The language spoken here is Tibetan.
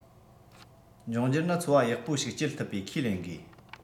འབྱུང འགྱུར ནི འཚོ བ ཡག པོ ཞིག སྐྱེལ ཐུབ པའི ཁས ལེན དགོས